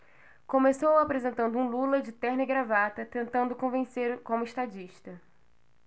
começou apresentando um lula de terno e gravata tentando convencer como estadista